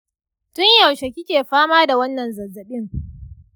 tun yaushe kike fama da wannan zazzabin?